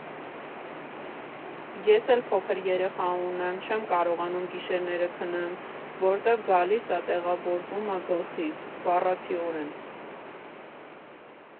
Ես էլ փոքր երեխա ունեմ, չեմ կարողանում գիշերները քնեմ, որտև գալիս ա տեղավորվում ա գլխիս, բառացիորեն։